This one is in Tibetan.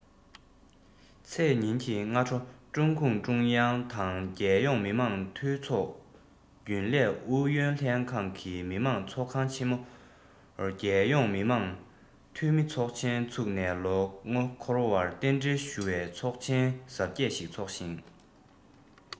ཚེས ཉིན གྱི སྔ དྲོ ཀྲུང གུང ཀྲུང དབྱང དང རྒྱལ ཡོངས མི དམངས འཐུས ཚོགས རྒྱུན ལས ཨུ ཡོན ལྷན ཁང གིས མི དམངས ཚོགས ཁང ཆེ མོར རྒྱལ ཡོངས མི དམངས འཐུས མི ཚོགས ཆེན བཙུགས ནས ལོ ངོ འཁོར བར རྟེན འབྲེལ ཞུ བའི ཚོགས ཆེན གཟབ རྒྱས ཤིག འཚོགས ཤིང